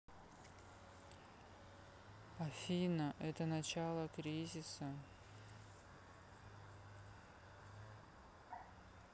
афина это начало кризиса